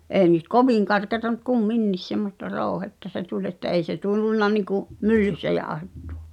ei nyt kovin karkeaa mutta kumminkin semmoista rouhetta se tuli että ei se tullut niin kuin myllyssä jauhettu